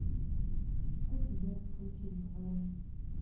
что тебе включить говори